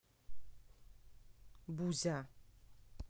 бузя